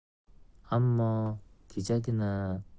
ammo kechagina qon